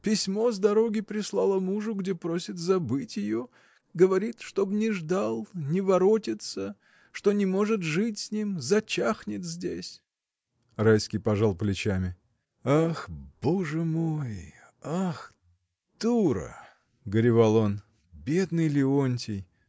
Письмо с дороги прислала мужу, где просит забыть ее, говорит, чтоб не ждал, не воротится, что не может жить с ним, зачахнет здесь. Райский пожал плечами. — Ах, Боже мой! Ах, дура! — горевал он. — Бедный Леонтий!